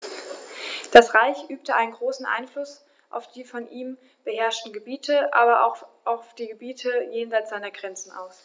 Das Reich übte einen großen Einfluss auf die von ihm beherrschten Gebiete, aber auch auf die Gebiete jenseits seiner Grenzen aus.